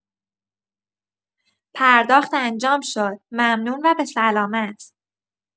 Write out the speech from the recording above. پرداخت انجام شد، ممنون و به سلامت.